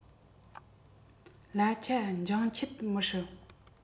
གླ ཆ འགྱངས ཆད མི སྲིད